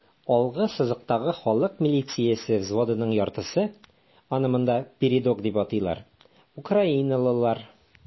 Алгы сызыктагы халык милициясе взводының яртысы (аны монда "передок" дип атыйлар) - украиналылар.